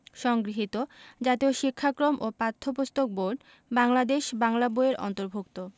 সংগৃহীত জাতীয় শিক্ষাক্রম ও পাঠ্যপুস্তক বোর্ড বাংলাদেশ বাংলা বই এর অন্তর্ভুক্ত